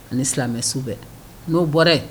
Ani silamɛ su bɛɛ n'o bɔra yen